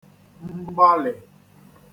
mgbalị̀